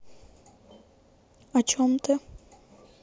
о чем ты